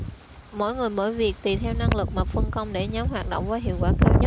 mỗi người mỗi việc tùy theo năng lực mà phân công để nhóm hoạt động với hiệu quả cao nhất